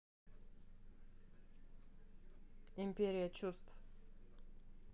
империя чувств